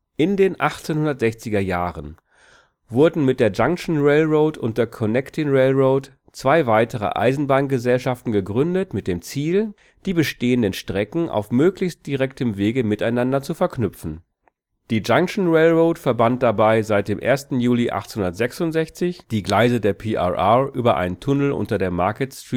In den 1860er Jahren wurden mit der Junction Railroad und der Connecting Railroad zwei weitere Eisenbahngesellschaften gegründet mit dem Ziel, die bestehenden Strecken auf möglichst direktem Wege miteinander zu verknüpfen. Die Junction Railroad verband dabei seit dem 1. Juli 1866 die Gleise der PRR über einen Tunnel unter der Market